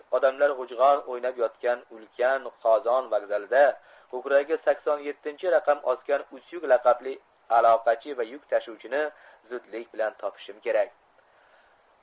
odamlar g'ujg'on o'ynab yotgan ulkan qozon vokzalida ko'kragiga sakson yettinchi raqam osgan utyug laqabli aloqachi va yuk tashuvchini zudlik bilan topishim kerak